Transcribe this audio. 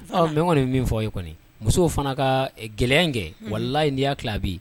Ɔ mɛ kɔni min fɔ o ye kɔni musow fana ka gɛlɛya in kɛ wala in y'ala bi